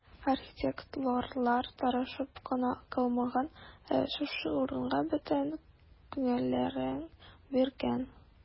Архитекторлар тырышып кына калмаган, ә шушы урынга бөтен күңелләрен биргән.